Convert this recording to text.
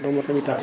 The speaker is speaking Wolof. mot na ko 8 ans